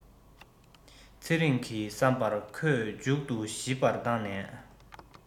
ཚེ རིང གི བསམ པར ཁོས མཇུག ཏུ ཞིབ པར བཏང ནས